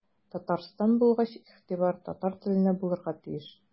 Татарстан булгач игътибар татар теленә булырга тиеш.